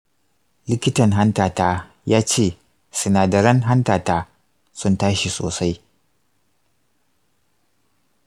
likitan hantata ya ce sinadaran hantata sun tashi sosai.